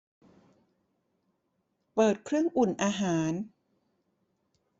เปิดเครื่องอุ่นอาหาร